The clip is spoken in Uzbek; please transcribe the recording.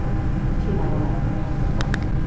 kichkina bola